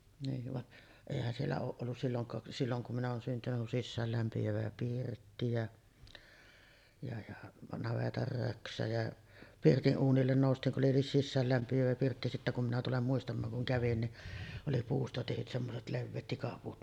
niin vaan eihän siellä ole ollut silloinkaan silloin kun minä olen syntynyt kuin sisäänlämpiävä pirtti ja ja ja navetan röksä ja pirtin uunille noustiin kun oli sisäänlämpiävä pirtti sitten kun minä tulen muistamaan kun kävin niin oli puusta tehdyt semmoiset leveät tikapuut